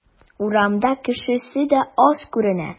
Урамда кешесе дә аз күренә.